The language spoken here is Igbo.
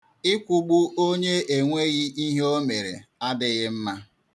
Ịkwụgbu onye enweghị ihe o mere adịghi mma.